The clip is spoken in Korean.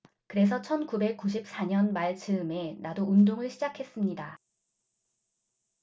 그래서 천 구백 구십 사 년 말 즈음에 나도 운동을 시작했습니다